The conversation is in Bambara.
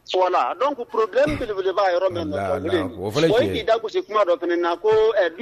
Don kuruorob b'a yɔrɔ min k'i da gosisi kuma dɔ kɛnɛ na ko